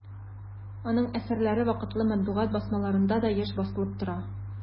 Аның әсәрләре вакытлы матбугат басмаларында да еш басылып тора.